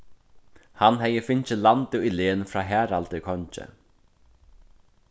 hann hevði fingið landið í len frá haraldi kongi